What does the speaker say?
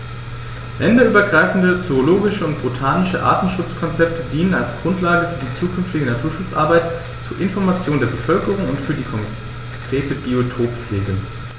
Länderübergreifende zoologische und botanische Artenschutzkonzepte dienen als Grundlage für die zukünftige Naturschutzarbeit, zur Information der Bevölkerung und für die konkrete Biotoppflege.